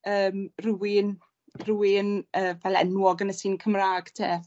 yym rywun rywun yy fel enwog yn y sîn Cymra'g 'te.